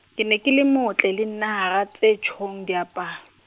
ke ne ke le motle le nna hara tse tjhong diaparo.